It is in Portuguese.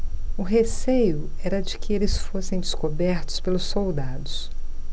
o receio era de que eles fossem descobertos pelos soldados